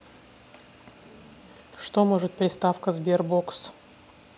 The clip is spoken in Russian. что может приставка sberbox